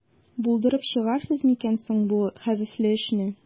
Булдырып чыгарсыз микән соң бу хәвефле эшне?